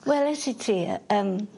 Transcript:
Weles i ti yym